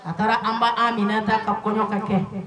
A taara an ba Aminɛta ka kɔnɔ ka kɛ!